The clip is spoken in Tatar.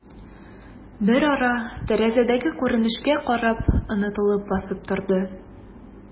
Берара, тәрәзәдәге күренешкә карап, онытылып басып торды.